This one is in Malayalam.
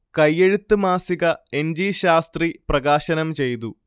കൈയെഴുത്ത് മാസിക എൻ. ജി ശാസ്ത്രി പ്രകാശനം ചെയ്തു